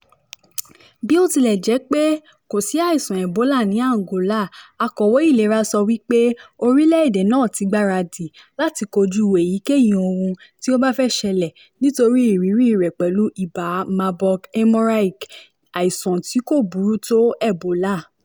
Bí ó tilẹ̀ jẹ́ pé kò sí àìsàn Ebola ní Angola, akọ̀wé ìlera sọ wí pé orílẹ̀ èdè náà ti gbára dì láti kojú èyíkéyìí ohun tí ó bá fẹ́ ṣẹlẹ̀ nítorí ìrírí rẹ̀ pẹ̀lú ibà Marburg haemorrhagic, àìsàn tí kò burú tó Ebola.